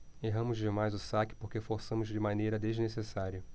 erramos demais o saque porque forçamos de maneira desnecessária